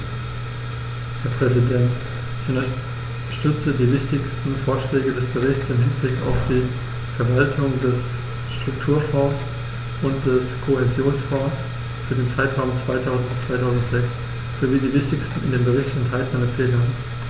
Herr Präsident, ich unterstütze die wichtigsten Vorschläge des Berichts im Hinblick auf die Verwaltung der Strukturfonds und des Kohäsionsfonds für den Zeitraum 2000-2006 sowie die wichtigsten in dem Bericht enthaltenen Empfehlungen.